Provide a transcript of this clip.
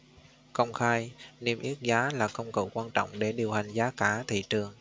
công khai niêm yết giá là công cụ quan trọng để điều hành giá cả thị trường